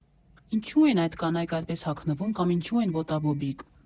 Ինչո՞ւ են այդ կանայք այդպես հագնվում կամ ինչո՞ւ են ոտաբոբիկ։